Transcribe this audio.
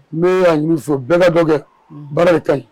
Ne y'a u fɛ bɛɛ ka dɔ kɛ, baara de ka ɲi